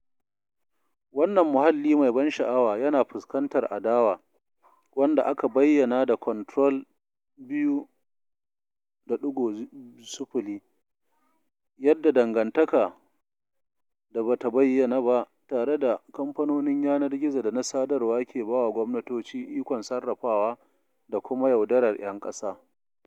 Wannan muhalli mai ban sha'awa yana fuskantar adawa, wanda aka bayyana da "Control 2.0": "... yadda dangantaka da ba ta bayyana ba tare da kamfanonin yanar gizo da na sadarwa ke bawa gwamnatoci ikon sarrafawa da kuma yaudarar 'yan ƙasa."